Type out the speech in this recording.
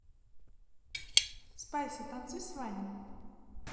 spicy танцуй с ваней